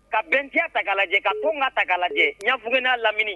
Ka bɛntitaaga lajɛ ka tun ka tagaga lajɛjɛ ɲafugunaa lamini